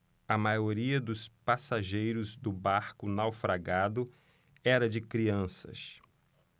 a maioria dos passageiros do barco naufragado era de crianças